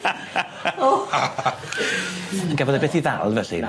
O! O! Gafodd e fyth 'i ddal felly?